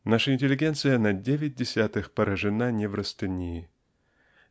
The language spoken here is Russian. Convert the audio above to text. Наша интеллигенция на девять десятых поражена неврастенией